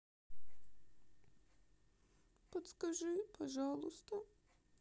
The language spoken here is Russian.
подскажи пожалуйста